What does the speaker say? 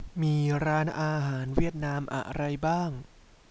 มีร้านอาหารเวียดนามอะไรบ้าง